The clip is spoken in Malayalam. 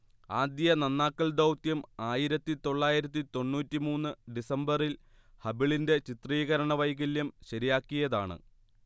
ആദ്യ നന്നാക്കൽ ദൗത്യം ആയിരത്തി തൊള്ളായിരത്തി തൊണ്ണൂറ്റി മൂന്ന് ഡിസംബറിൽ ഹബിളിന്റെ ചിത്രീകരണ വൈകല്യം ശരിയാക്കിയതാണ്